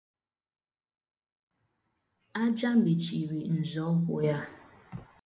Aja mechiri nzọụkwụ ya.